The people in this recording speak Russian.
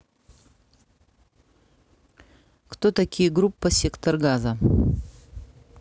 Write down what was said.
кто такие группа сектор газа